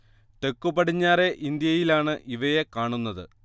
തെക്കു പടിഞ്ഞാറെ ഇന്ത്യയിലാണ് ഇവയെ കാണുന്നത്